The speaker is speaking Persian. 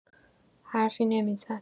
حرفی نمی‌زد.